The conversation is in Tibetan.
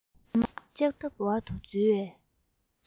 ཨ མ ལྕགས ཐབ འོག ཏུ འཛུལ བའི